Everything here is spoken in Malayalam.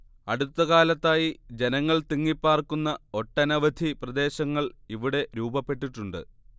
അടുത്തകാലത്തായി ജനങ്ങൾ തിങ്ങിപ്പാർക്കുന്ന ഒട്ടനവധി പ്രദേശങ്ങൾ ഇവിടെ രൂപപ്പെട്ടിട്ടുണ്ട്